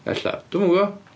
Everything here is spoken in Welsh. Ella. Dwi ddim yn gwbod.